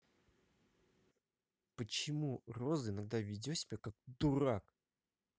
почему роза иногда ведет себя как дурак